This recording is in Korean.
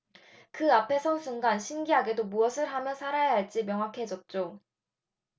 그 앞에 선 순간 신기하게도 무엇을 하며 살아야 할지 명확해졌죠